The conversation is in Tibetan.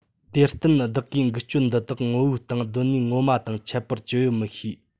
དེར བརྟེན བདག གིས འགུལ སྐྱོད འདི དག ངོ བོའི སྟེང གདོད ནུས ངོ མ དང ཁྱད པར ཅི ཡོད མི ཤེས